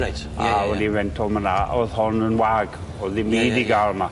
Reit ie ie ie. A o'n i'n rento man 'na o'dd hon yn wag o'dd ddim byd... Ie ie ie. ...i ga'l 'ma.